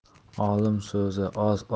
olim so'zi oz